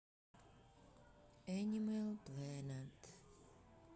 анимал планет